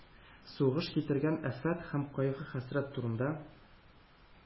Сугыш китергән афәт һәм кайгы-хәсрәт турында